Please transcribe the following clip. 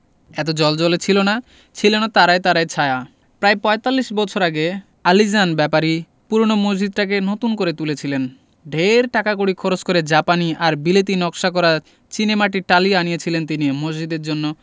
এত জ্বলজ্বলে ছিল না ছিলনা তারায় তারায় ছায়া প্রায় পঁয়তাল্লিশ বছর আগে আলীজান ব্যাপারী পূরোনো মসজিদটাকে নতুন করে তুলেছিলেন ঢের টাকাকড়ি খরচ করে জাপানি আর বিলেতী নকশা করা চীনেমাটির টালি আনিয়েছিলেন তিনি মসজিদের জন্য